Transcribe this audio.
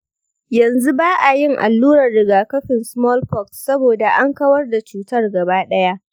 yanzu ba a yin allurar rigakafin smallpox saboda an kawar da cutar gaba ɗaya.